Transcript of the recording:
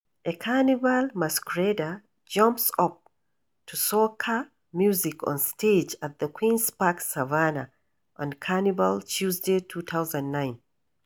A carnival masquerader “jumps up” to soca music on stage at the Queen's Park Savannah, on Carnival Tuesday, 2009.